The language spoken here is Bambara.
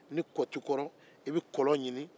ni kɔ t'i kɔrɔ i bɛ kɔlɔn ɲinin